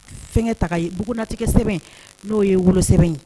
Fɛnkɛ taga ye bugunatigɛ sɛbɛn n'o ye wolo sɛbɛn ye.